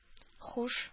Һуш